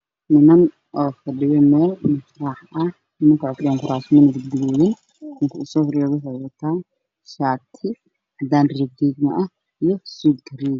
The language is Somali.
Halkaan waxaa ka muuqdo nin ku fadhiyo kursi gaduudan waxa uuna qabaa jaakad cadays iyo madaw iskugu jiro iyo shaati cadaan iyo madaw iskugu jiro